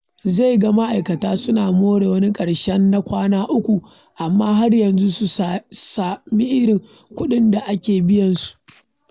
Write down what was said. Zai ga ma'aikata suna more wani ƙarshen na kwana uku - amma har yanzu su sami irin kuɗin da ake biyansu.